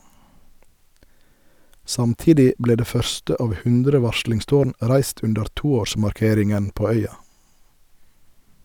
Samtidig ble det første av 100 varslingstårn reist under toårsmarkeringen på øya.